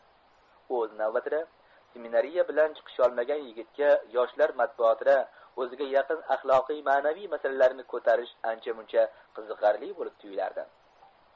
o'z navbatida seminariya bilan chiqisholmagan yigitga yoshlar matbuotida o'ziga yaqin axloqiy ma'naviy masalalarni ko'tarish ancha muncha qiziqarli bo'lib tuyulardi